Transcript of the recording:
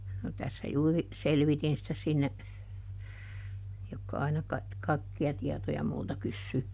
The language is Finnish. no tässä juuri selvitin sitä sinne jotka aina - kaikkia tietoja multa kysyy